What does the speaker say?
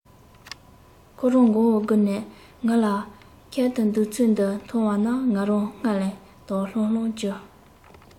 ཁོ རང མགོ བོ སྒུར ནས ངུ ལ ཁད དུ འདུག ཚུལ འདི མཐོང བ ན ང རང སྔར ལས དགའ ལྷང ལྷང གྱུར